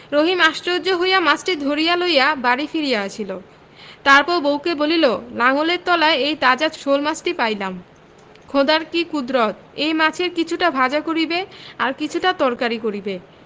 রহিম আশ্চর্য হইয়া মাছটি ধরিয়া লইয়া বাড়ি ফিরিয়া আসিল তারপর বউকে বলিল লাঙলের তলায় এই তাজা শোলমাছটি পাইলাম খোদার কি কুদরত এই মাছের কিছুটা ভাজা করিবে আর কিছুটা তরকারি করিবে